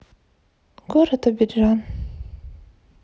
город абиджан